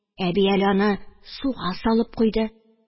Әби әле аны суга салып куйды.